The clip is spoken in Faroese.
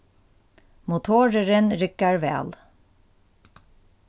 motorurin riggar væl